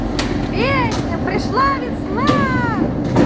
песня пришла весна